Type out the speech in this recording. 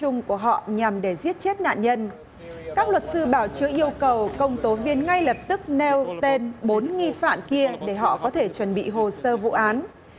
chung của họ nhằm để giết chết nạn nhân các luật sư bào chữa yêu cầu công tố viên ngay lập tức nêu tên bốn nghi phạm kia để họ có thể chuẩn bị hồ sơ vụ án